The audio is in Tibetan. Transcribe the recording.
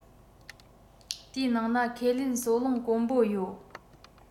དེའི ནང ན ཁས ལེན གསོ རླུང དཀོན པོ ཡོད